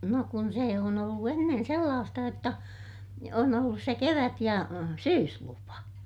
no kun se on ollut ennen sellaista jotta on ollut se kevät- ja syyslupa